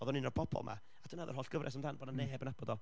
oedd o'n un o'r pobl 'ma, a dyna oedd yr holl gyfres amdan, bod 'na neb yn nabod o,